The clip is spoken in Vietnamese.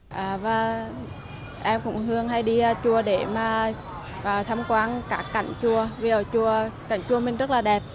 à và em cũng thường hay đi chùa để mà vào tham quan các cảnh chùa vì ở chùa cảnh chùa mình rất là đẹp